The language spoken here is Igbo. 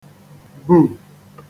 bù